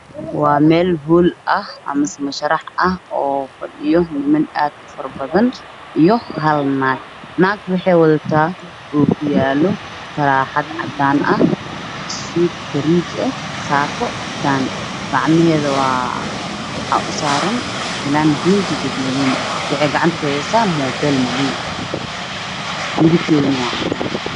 Waa meel holland ama mashraxa waa joogaan dad farabadan oo nimana iyo hal naag